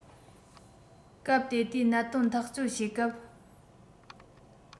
སྐབས དེ དུས གནད དོན ཐག གཅོད བྱེད སྐབས